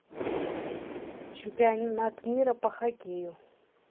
чемпионат мира по хоккею